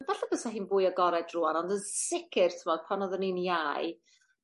Falle bysa hi'n fwy agored rŵan ond yn sicir t'mod pan oddwn i'n iau